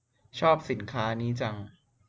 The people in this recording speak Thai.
ชอบสินค้านี้จัง